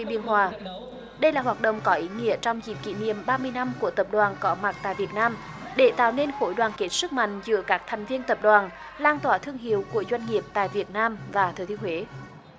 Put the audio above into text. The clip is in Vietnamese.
biên hòa đây là hoạt động có ý nghĩa trong dịp kỷ niệm ba mươi năm của tập đoàn có mặt tại việt nam để tạo nên khối đoàn kết sức mạnh giữa các thành viên tập đoàn lan tỏa thương hiệu của doanh nghiệp tại việt nam và thừa thiên huế